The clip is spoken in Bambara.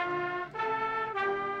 San